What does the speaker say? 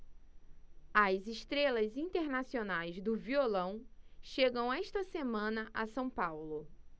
as estrelas internacionais do violão chegam esta semana a são paulo